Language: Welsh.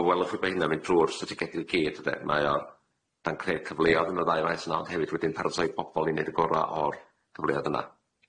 Welwch bo rheina yn mynd trwy y s- ticedi i gyd ynde. Mae o dan creu cyfleoedd a wedyn hefyd paratoi pobl i neud y gora o'r gyfleoedd yna